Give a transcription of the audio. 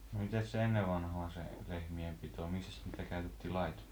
no mitenkäs se ennen vanhaan se lehmien pito missäs niitä käytettiin laitumella